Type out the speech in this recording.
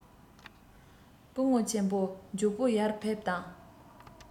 སྐུ ངོ ཆེན མོ མགྱོགས པོ ཡར ཕེབས དང